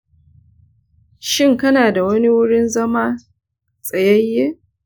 shin kana da wurin zama tsayayye?